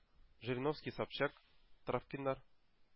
Жириновский, Собчак, Травкиннар